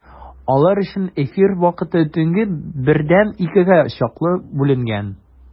Алар өчен эфир вакыты төнге бердән икегә чаклы бүленгән.